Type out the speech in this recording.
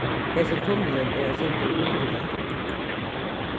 hesin tunnilin er eitt sindur hulduligur